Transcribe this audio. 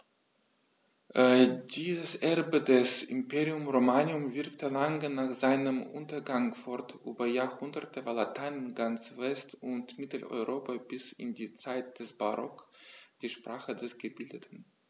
Dieses Erbe des Imperium Romanum wirkte lange nach seinem Untergang fort: Über Jahrhunderte war Latein in ganz West- und Mitteleuropa bis in die Zeit des Barock die Sprache der Gebildeten.